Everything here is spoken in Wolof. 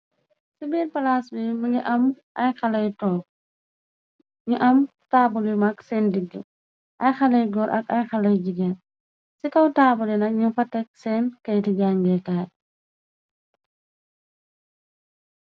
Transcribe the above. Se biir palaas be mëge am ayxalay yu tonke ñu am taabuli mag sen digg ay xalay goor ak ay xalay jigéen ci kaw taabuli nak ñu fa tek sen keyti jangekaay.